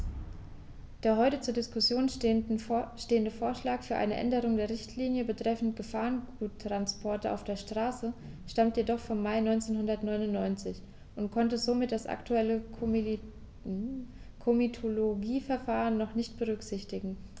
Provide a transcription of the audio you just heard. Der heute zur Diskussion stehende Vorschlag für eine Änderung der Richtlinie betreffend Gefahrguttransporte auf der Straße stammt jedoch vom Mai 1999 und konnte somit das aktuelle Komitologieverfahren noch nicht berücksichtigen.